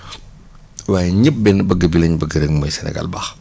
waaye ñëpp benn bëg bi lañ bëgg rek mooy Sénégal baax